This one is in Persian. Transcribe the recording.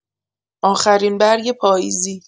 آخرین برگ پاییزی